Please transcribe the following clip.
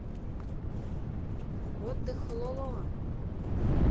отдых лоло